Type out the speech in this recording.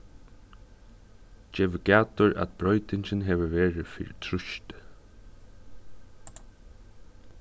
gevið gætur at broytingin hevur verið fyri trýsti